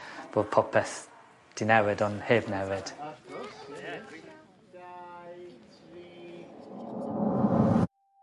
bod popeth 'di newid ond heb newid. Dau tri.